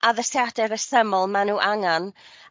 addasiade resymol ma' n'w angan